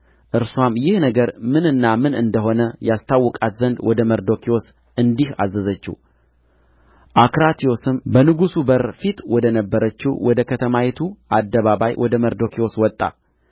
እርስዋም ይህ ነገር ምንና ምን እንደ ሆነ ያስታውቃት ዘንድ ወደ መርዶክዮስ እንዲሄድ አዘዘችው አክራትዮስም በንጉሥ በር ፊት ወደ ነበረችው ወደ ከተማይቱ አደባባይ ወደ መርዶክዮስ ወጣ